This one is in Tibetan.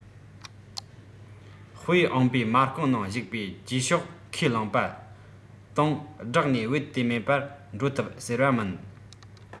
དཔེ ཨང པའི མ རྐང ནང ཞུགས པའི རྗེས ཕྱོགས ཁས བླངས པ དང སྦྲགས ནས རྦད དེ མེད པར འགྲོ ཐུབ ཟེར བ མིན